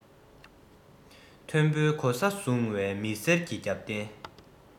མཐོན པོའི གོ ས བཟུང བའི མི སེར གྱི རྒྱབ རྟེན